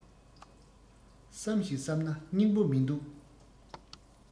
བསམ ཞིང བསམ ན སྙིང པོ མིན འདུག